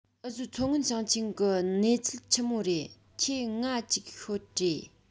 འུ བཟོའི མཚོ སྔོན ཞིང ཆེན གི གནས ཚུལ ཆི མོ རེད ཁྱོས ངའ ཅིག ཤོད དྲེས